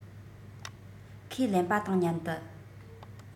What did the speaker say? ཁོས ལེན པ དང མཉམ དུ